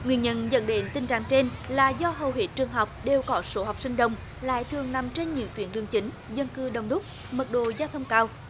nguyên nhân dẫn đến tình trạng trên là do hầu hết trường học đều có số học sinh đông lại thường nằm trên những tuyến đường chính dân cư đông đúc mật độ giao thông cao